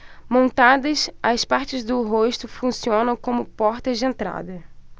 montadas as partes do rosto funcionam como portas de entrada